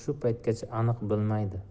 shu paytgacha aniq bilmaydi